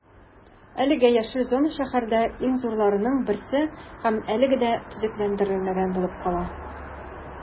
Әлеге яшел зона шәһәрдә иң зурларының берсе һәм әлегә дә төзекләндерелмәгән булып кала.